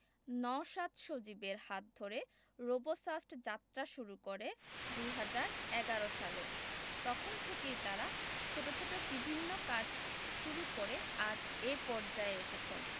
নওশাদ সজীবের হাত ধরে রোবোসাস্ট যাত্রা শুরু করে ২০১১ সালে তখন থেকেই তারা ছোট ছোট বিভিন্ন কাজ শুরু করে আজ এ পর্যায়ে এসেছেন